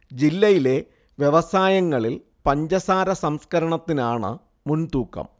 ജില്ലയിലെ വ്യവസായങ്ങളിൽ പഞ്ചസാര സംസ്കരണത്തിനാണ് മുൻതൂക്കം